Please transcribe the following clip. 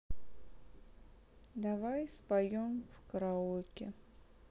давай споем в караоке